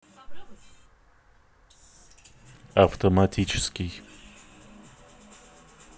автоматический